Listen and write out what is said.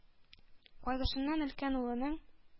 Кайгысыннан өлкән улының